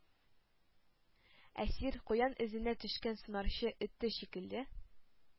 Әсир, куян эзенә төшкән сунарчы эте шикелле,